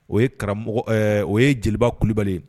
O ye karamɔgɔ o ye jeliba kulubali ye